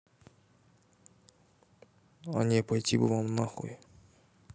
а не пойти бы вам нахуй